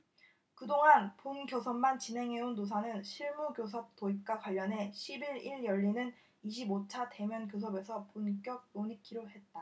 그 동안 본교섭만 진행해온 노사는 실무교섭 도입과 관련해 십 일 일 열리는 이십 오 차 대면교섭에서 본격 논의키로 했다